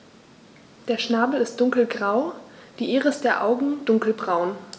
Der Schnabel ist dunkelgrau, die Iris der Augen dunkelbraun.